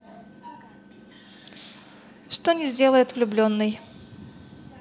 что не сделает влюбленный